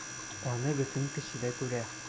Аны бөтен кеше дә күрә...